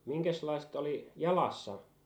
minkäslaiset oli jalassa